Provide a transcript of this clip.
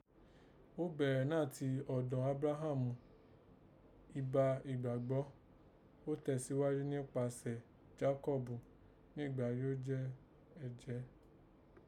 Ó bẹ̀rẹ̀ nàti ọ̀dọ̀ Ábúráhámù, iba ìgbàgbọ́, ó tẹ̀ síghájú nípasẹ̀ Jákọ́bù nígbà yìí ó jẹ́ ẹ̀jẹ́